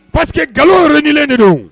Parce que nkalon yɛrɛ lajɛlenlen de don